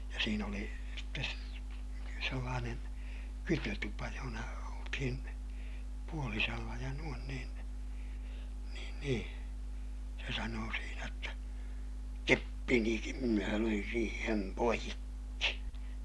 ja siinä oli sitten sellainen kytötupa jossa oltiin puolisella ja noin niin niin niin se sanoi siinä jotta keppinikin minä löin siihen poikki